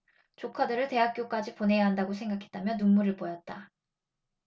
조카들을 대학교까지 보내야한다고 생각했다며 눈물을 보였다